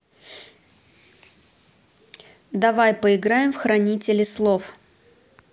давай поиграем в хранители слов